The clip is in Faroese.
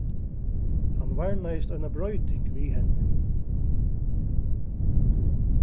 hann varnaðist eina broyting við henni